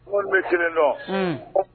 Minnu bɛ kelen dɔn